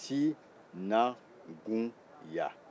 si-nan-kun-ya